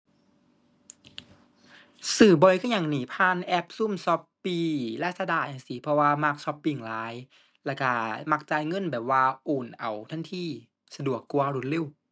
ซื้อบ่อยคือหยังหนิ ผ่านแอปซุม Shopee Lazada จั่งซี้ เพราะว่ามักช็อปปิงหลาย แล้วก็มักจ่ายเงินแบบว่าโอนเอาทันที สะดวกกว่า รวดเร็ว